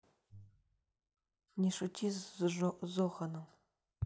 не шути с зоханом